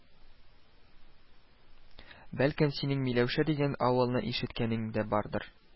Бәлкем, синең Миләүшә дигән авылны ишеткәнең дә бардыр